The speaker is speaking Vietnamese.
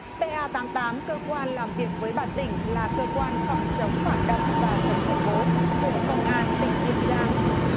bê a tám tám cơ quan làm việc với bà tỉnh là cơ quan phòng chống phản động và chống khủng bố của công an tỉnh tiền giang